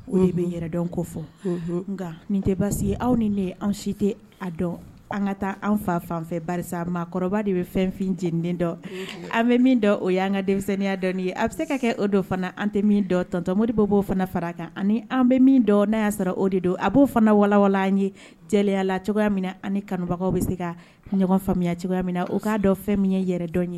O ye bɛ yɛrɛ dɔn ko fɔ nka nin tɛ baasi ye aw ni de ye an si tɛ a dɔn an ka taa an fa fanfɛ makɔrɔba de bɛ fɛnfin jden dɔn an bɛ min dɔ o y'an ka denmisɛnninya dɔn ye a bɛ se ka kɛ o dɔ fana an tɛ min dɔ tɔntɔnmobɔ b'o fana fara a kan ani an bɛ min dɔn n'a y'a sɔrɔ o de don a b'o fana wawalan an ye jɛyala cogoyaya min na ani kanubagaw bɛ se ka ɲɔgɔn faamuya cogoya min na o k'a dɔn fɛn ye yɛrɛ dɔn ye